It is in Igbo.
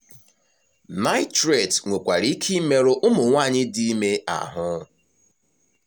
Nitrate nwekwara ike ịmerụ ụmụ nwaanyị dị ime ahụ.